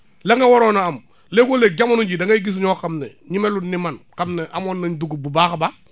la nga waroon a am léegoo léeg jamono jii da ngay gis ñoo xam ne ñi melut ni man xam ne amoon nañ dugub bu baax a baax